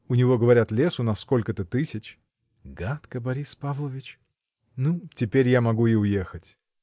— У него, говорят, лесу на сколько-то тысяч. — Гадко, Борис Павлович! — Ну, теперь я могу и уехать.